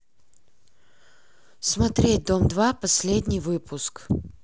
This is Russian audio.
смотреть дом два последний выпуск